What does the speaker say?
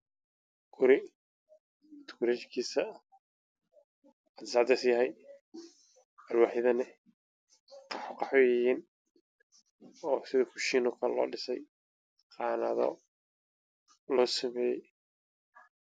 Waa guri alwaaxdiisa qaxwi yihiin